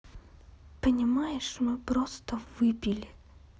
понимаешь мы просто выпили